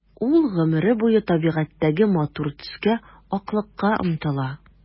Ул гомере буе табигатьтәге матур төскә— аклыкка омтыла.